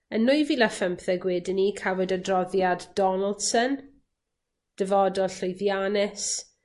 Yn nwy fil a phymtheg wedyn 'ny, cafwyd Adroddiad Donaldson, Dyfodol Llwyddiannus.